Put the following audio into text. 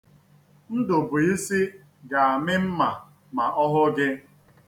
Ndubisi ga-amị mma ma ọ hụ gị.